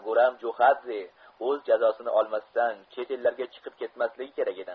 guram jo'xadze o'z jazosini olmasdan chet ellarga chiqib ketmasligi kerak edi